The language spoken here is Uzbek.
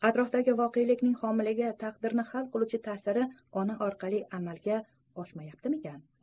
atrofdagi voqelikning homilaga taqdirni hal qiluvchi ta'siri ona orqali amalga oshmayaptimikin